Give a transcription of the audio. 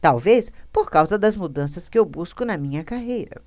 talvez por causa das mudanças que eu busco na minha carreira